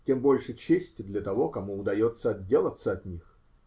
Тем больше чести для того, кому удается отделаться от них.